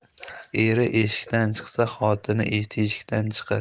eri eshikdan chiqsa xotin teshikdan chiqar